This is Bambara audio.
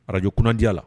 Araj kunnadi la